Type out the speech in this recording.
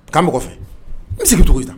K'an bɛn kɔfɛ, e bɛ sigi cogo di tan